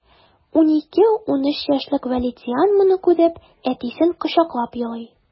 12-13 яшьлек вәлидиан моны күреп, әтисен кочаклап елый...